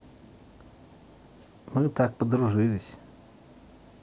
мы так подружились